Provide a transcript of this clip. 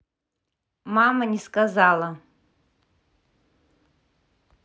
мама не сказала